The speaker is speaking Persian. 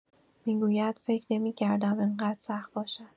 می‌گوید: «فکر نمی‌کردم این‌قدر سخت باشد.»